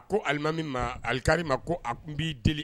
A ko alimami ma, Alikari ma, ko a n b'i deli